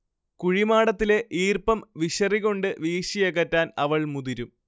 കുഴിമാടത്തിലെ ഈർപ്പം വിശറികൊണ്ട് വീശിയകറ്റാൻ അവൾ മുതിരും